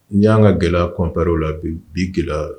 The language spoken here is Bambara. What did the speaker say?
N'i y'an ka gɛlɛya kɔnɔnpɛryɔrɔ la bi bi gɛlɛya